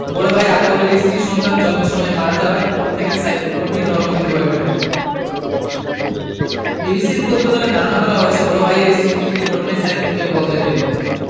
বড় ভাই আতাউলের স্ত্রী সন্তান জন্মের সময় মারা যাওয়ার পর থেকে সাইফুল ক্রমেই ধর্মভীরু হয়ে ওঠেন বিবিসির প্রতিবেদনে ধারণা করা হয়েছে বড় ভাইয়ের স্ত্রীর মৃত্যুর ঘটনাই সাইফুলকে বদলে দেয়